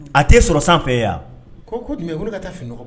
A t' sɔrɔ sanfɛ yan ko ka taa fini nɔgɔ